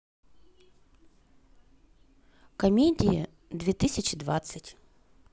комедии две тысячи двадцать